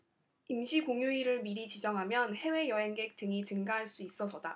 임시공휴일을 미리 지정하면 해외 여행객 등이 증가할 수 있어서다